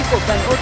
cổ